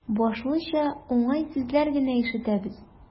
Башлыча, уңай сүзләр генә ишетәбез.